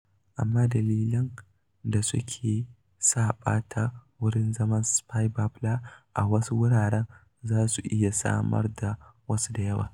Amma dalilan da suke sa ɓata wurin zaman Spiny Babbler a wasu wuraren za su iya samar da wasu da yawa.